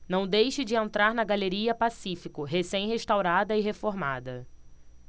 não deixe de entrar na galeria pacífico recém restaurada e reformada